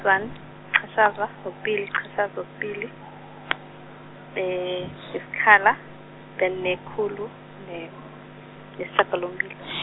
one, chashaza okubili chashaza okubili, isikhala, then nekhulu ne-, nesishagalombili .